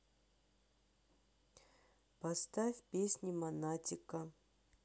поставь песни монатика